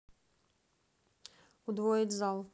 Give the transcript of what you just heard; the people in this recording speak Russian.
удвоить зал